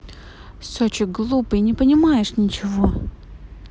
сочи глупый не понимаешь ничего